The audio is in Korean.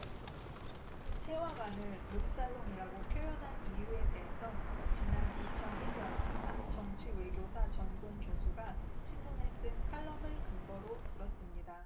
태화관을 룸살롱이라고 표현한 이유에 대해선 지난 이천 일 년 한 정치외교사 전공 교수가 신문에 쓴 칼럼을 근거로 들었습니다